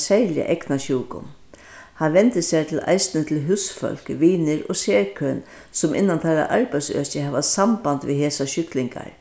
serliga eygnasjúku hann vendir sær til eisini til húsfólk vinir og serkøn sum innan teirra arbeiðsøki hava samband við hesar sjúklingar